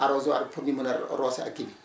arrosoires pour ñu mën a roose a kii bi